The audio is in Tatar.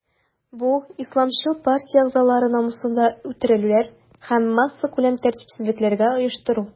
Бу исламчыл партия әгъзалары намусында үтерүләр һәм массакүләм тәртипсезлекләр оештыру.